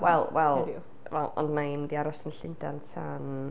Wel, wel, wel ond mae hi'n mynd i aros yn Llundain tan...